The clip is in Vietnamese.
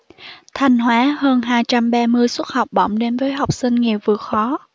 thanh hóa hơn hai trăm ba mươi suất học bổng đến với học sinh nghèo vượt khó